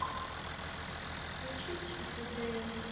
включи чип и дэйл